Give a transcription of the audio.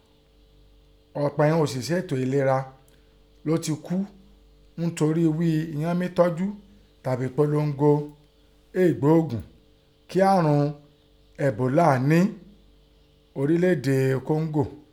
Ọ̀pọ̀ ìghọn ọ̀ṣìṣẹ́ ètò elera ló ti kú ńtorí ghí i ighọ́n mí tọ́jú tàbin polongo ẹ̀gbógun ti àrùn ẹ̀bólà nẹ́ ọrílẹ̀ èdè Kóńgò.